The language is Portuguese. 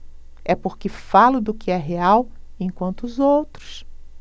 é porque falo do que é real enquanto os outros